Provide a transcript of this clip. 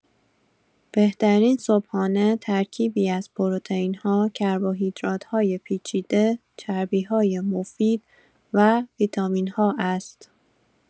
بهترین صبحانه ترکیبی از پروتئین‌ها، کربوهیدرات‌های پیچیده، چربی‌های مفید و ویتامین‌ها است.